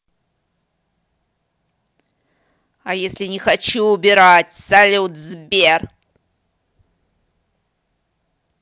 а если не хочу убирать салют сбер